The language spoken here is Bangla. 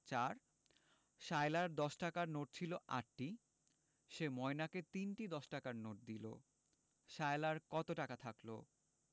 ৪ সায়লার দশ টাকার নোট ছিল ৮টি সে ময়নাকে ৩টি দশ টাকার নোট দিল সায়লার কত টাকা থাকল